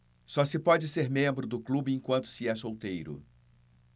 só se pode ser membro do clube enquanto se é solteiro